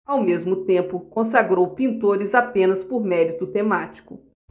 ao mesmo tempo consagrou pintores apenas por mérito temático